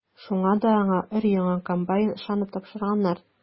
Шуңа да аңа өр-яңа комбайн ышанып тапшырганнар.